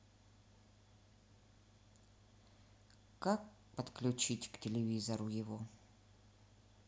как подключить к телевизору его